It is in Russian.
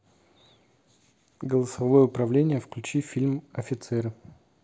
голосовое управление включи фильм офицеры